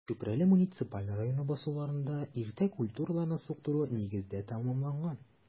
Чүпрәле муниципаль районы басуларында иртә культураларны суктыру нигездә тәмамланган.